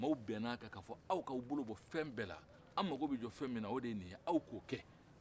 maaw bɛnn'a kan k'a fɔ aw k'a bolo bɔ fɛn bɛɛ la an mago bɛ jɔ fɛn min na aw ka ni kɛ